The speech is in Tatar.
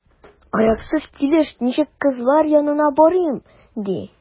Аяксыз килеш ничек кызлар янына барыйм, ди?